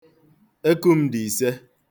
Eku m dị ise.